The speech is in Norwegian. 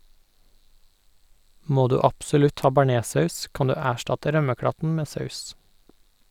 Må du absolutt ha bearnéssaus, kan du erstatte rømmeklatten med saus.